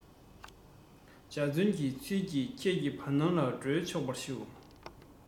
འཇའ ཚོན གྱི ཚུལ གྱིས ཁྱེད ཀྱི བར སྣང ལ སྤྲོས ཆོག པར ཞུ